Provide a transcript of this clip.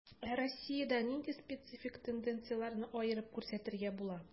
Ә Россиядә нинди специфик тенденцияләрне аерып күрсәтергә була?